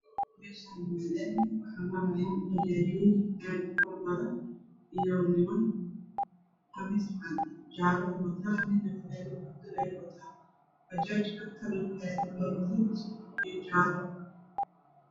Meeshaan waa laami waxaa maraayo bajaajyo aad u faro badan iyo niman qamiis cadaan iyo jaalo ah wataan. Bajaaj ka waa gaduud iyo jaalo.